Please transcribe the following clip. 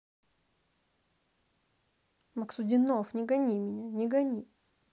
максудинов не гони меня не гони